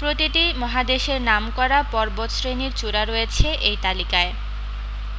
প্রতিটি মহাদেশের নামকরা পর্বতশরেণির চূড়া রয়েছে এই তালিকায়